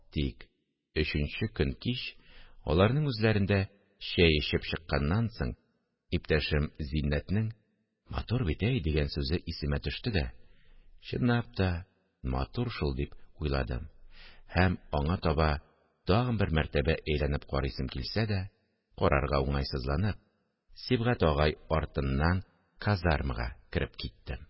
Тик өченчекөн кич, аларның үзләрендә чәй эчеп чыкканнан соң, иптәшем Зиннәтнең «Матур бит, әй!» дигән сүзе исемә төште дә, «Чынлап та матур шул!» дип уйладым һәм аңа таба тагын бер мәртәбә әйләнеп карыйсым килсә дә, карарга уңайсызланып, Сибгать агай артыннан казармага кереп киттем